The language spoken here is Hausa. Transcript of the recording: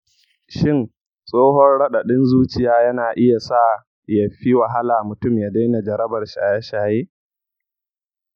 shin tsohon raɗaɗin zuciya yana iya sa ya fi wahala mutum ya daina jarabar shaye-shaye?